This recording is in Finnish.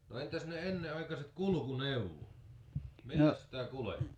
no entäs ne ennenaikaiset kulkuneuvot milläs sitä kuljettiin